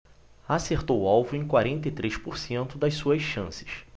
acertou o alvo em quarenta e três por cento das suas chances